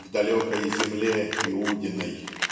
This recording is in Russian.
в далекой земле Иудиной".